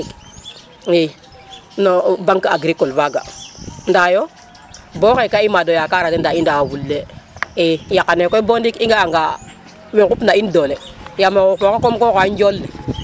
i no Banque Agricole faga nda yo bo xay ka i mado yakara de nda i ndawa fule i yaqane koy bo ndik i nga a nga we ŋup na in doole yamo xe xupona kom ko xoya njol